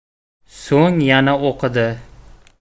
so'ng yana o'qidi